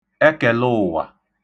ekèlụụ̀wà